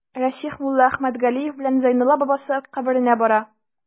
Расих Муллаәхмәт Галиев белән Зәйнулла бабасы каберенә бара.